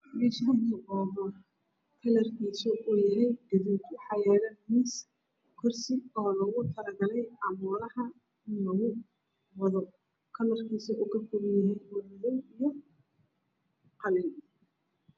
Me Shani wa boor kalar kisu uyahay gudud waxa yalo miis kursi ologu tala galay camoolaha in lagu wado kalar kisa kakoban yahay wa madow iya qalin